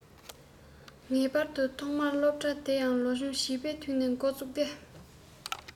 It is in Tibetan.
ངེས པར དུ ཐོག མར སློབ གྲྭའི དེ ཡང ལོ ཆུང བྱིས པའི དུས ནས འགོ བཙུགས ཏེ